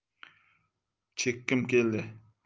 chekkim keldi